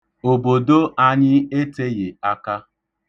Obodo anyị eteghị aka.